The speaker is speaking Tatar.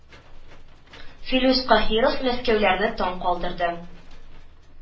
Филүс Каһиров мәскәүләрне таң калдырды